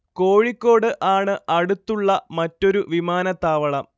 കോഴിക്കോട് ആണ് അടുത്തുള്ള മറ്റൊരു വിമാനത്താവളം